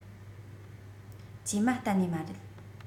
བཅོས མ གཏན ནས མ རེད